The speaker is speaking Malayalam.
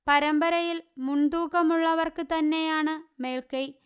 പരമ്പരയിൽ മുന്തൂക്കമുള്ളവർക്ക് തന്നെയാണ് മേൽക്കൈ